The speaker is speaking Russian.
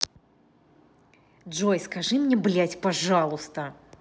джой скажи мне блядь пожалуйста